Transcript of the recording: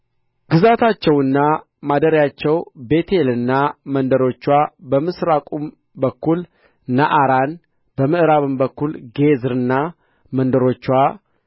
ግዛታቸውና ማደሪያቸው ቤቴልና መንደሮችዋ በምሥራቅም በኩል ነዓራን በምዕራብም በኩል ጌዝርና መንደሮችዋ